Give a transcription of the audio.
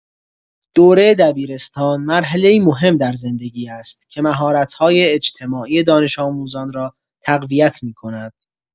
دوره دبیرستان مرحله‌ای مهم در زندگی است که مهارت‌های اجتماعی دانش‌آموزان را تقویت می‌کند.